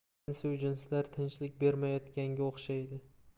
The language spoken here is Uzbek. insu jinslar tinchlik bermayotganga o'xshaydi